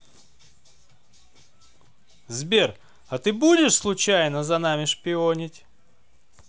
сбер а ты не будешь случайно за нами шпионить